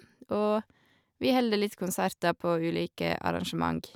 Og vi holder litt konserter på ulike arrangement.